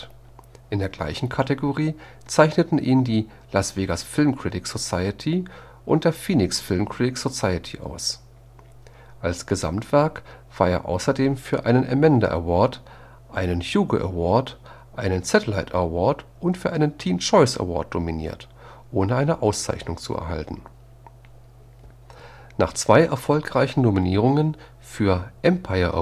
gleichen Kategorie zeichneten ihn die Las Vegas Film Critics Society und die Phoenix Film Critics Society aus. Als Gesamtwerk war er außerdem für einen Amanda Award, einen Hugo Award, einen Satellite Award und für einen Teen Choice Award nominiert, ohne eine Auszeichnung zu erhalten. Nach zwei erfolglosen Nominierungen für Empire